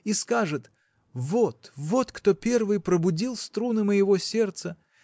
и скажет: Вот, вот кто первый пробудил струны моего сердца